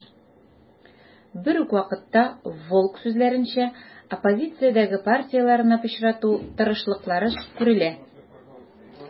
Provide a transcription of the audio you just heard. Берүк вакытта, Волк сүзләренчә, оппозициядәге партияләрне пычрату тырышлыклары күрелә.